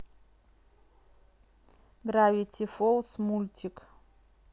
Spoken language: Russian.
гравити фолз мультик